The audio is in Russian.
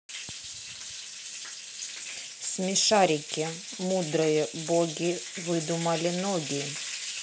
смешарики мудрые боги выдумали ноги